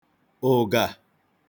ụ̀gà